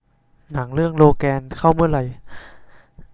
หนังเรื่องโลแกนเข้าเมื่อไหร่